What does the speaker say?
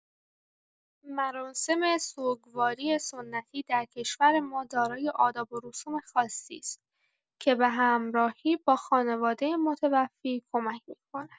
مراسم سوگواری سنتی در کشور ما دارای آداب و رسوم خاصی است که به همراهی با خانواده متوفی کمک می‌کند.